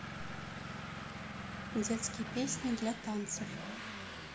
детские песни для танцев